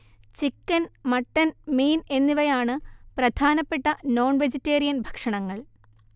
chicken mutton മീൻ എന്നിവയാണ് പ്രധാനപ്പെട്ട നോൺവെജിറ്റേറിയൻ ഭക്ഷണങ്ങൾ